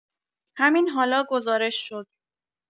همین حالا گزارش شد.